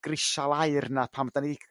grisial aur 'na pan dyn ni